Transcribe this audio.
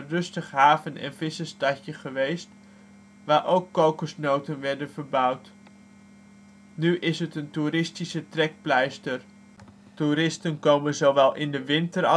rustig haven - en vissersstadje geweest, waar ook kokosnoten verbouwd werden. Nu is het een toeristische trekpleister. Toeristen komen zowel in de winter